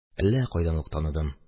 Әллә кайдан ук таныдым, –